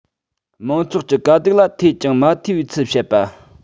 མང ཚོགས ཀྱི དཀའ སྡུག ལ ཐོས ཀྱང མ ཐོས པའི ཚུལ བྱེད པ